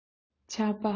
ཆར པ